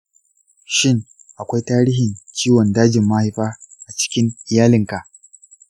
shin akwai tarihin ciwon dajin mahaifa a cikin iyalinka?